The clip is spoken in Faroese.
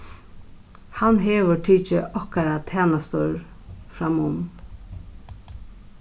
hann hevur tikið okkara tænastur framum